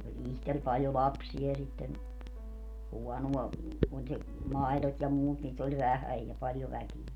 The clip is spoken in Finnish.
oli itsellä paljon lapsia ja sitten huonoa oli se maidot ja muut niitä oli vähän ja paljon väkeä